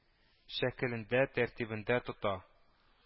Шәкелендә-тәртибендә тота